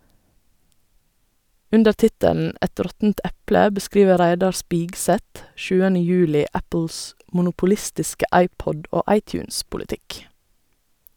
Under tittelen "Et råttent eple" beskriver Reidar Spigseth Apples monopolistiske iPod- og iTunes-politikk.